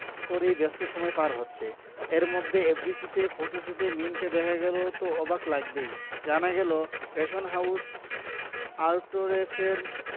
করেই ব্যস্ত সময় পার হচ্ছে এরমধ্যে এফডিসিতে ফটোশুটে মিমকে দেখা গেল তো অবাক লাগবেই জানা গেল ফ্যাশন হাউজ আর্টরেসের